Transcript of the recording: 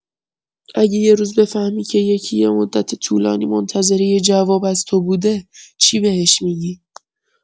اگه یه روز بفهمی که یکی یه مدت طولانی منتظر یه جواب از تو بوده، چی بهش می‌گی؟